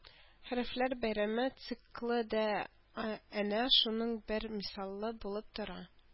«хәрефләр бәйрәме» циклы да әнә шуның бер мисалы булып тора